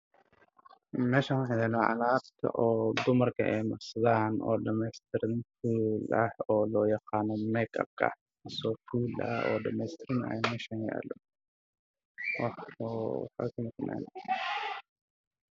Halkaan waxaa yaalo karaa fara badan oo ay marsadaan dumarka iyo qalin-simi waxa i saaran yahay mustaqbal ah